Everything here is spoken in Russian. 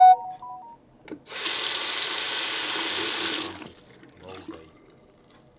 плотный комплекс валдай